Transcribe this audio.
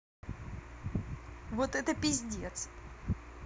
вот это пиздец